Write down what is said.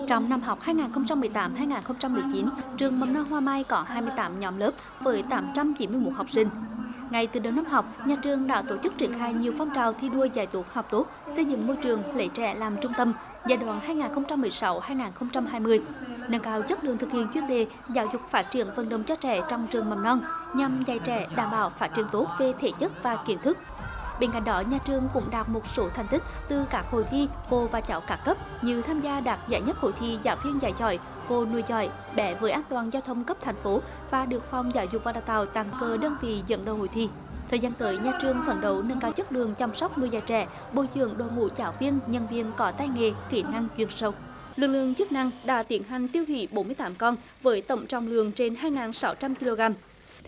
trong năm học hai ngàn không trăm mười tám hai ngàn không trăm mười chín trường mầm non hoa mai có hai mươi tám nhóm lớp với tám trăm chín mươi mốt học sinh ngay từ đầu năm học nhà trường đã tổ chức triển khai nhiều phong trào thi đua dạy tốt học tốt xây dựng môi trường lấy trẻ làm trung tâm giai đoạn hai ngàn không trăm mười sáu hai ngàn không trăm hai mươi nâng cao chất lượng thực hiện chuyên đề giáo dục phát triển vận động cho trẻ trong trường mầm non nhằm dạy trẻ đảm bảo phát triển tốt về thể chất và kiến thức bên cạnh đó nhà trường cũng đạt một số thành tích từ các hội thi cô và trò cả cấp như tham gia đạt giải nhất hội thi giáo viên dạy giỏi cô nuôi giỏi bé vừa an toàn giao thông cấp thành phố và được phòng giáo dục và đào tạo tặng cờ đơn vị dẫn đầu hội thi thời gian tới nhà trường phấn đấu nâng cao chất lượng chăm sóc nuôi dạy trẻ bồi dưỡng đội ngũ giảng viên nhân viên có tay nghề kỹ năng chuyên sâu lực lượng chức năng đã tiến hành tiêu hủy bốn mươi tám con với tổng trọng lượng trên hai ngàn sáu trăm ki lô gam